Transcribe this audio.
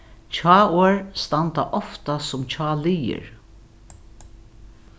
hjáorð standa ofta sum hjáliðir